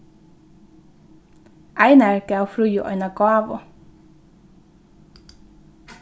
einar gav fríðu eina gávu